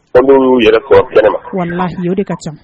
Tɔndenw b'u yɛrɛ sɔrɔ kɛnɛma walahi o de ka ca.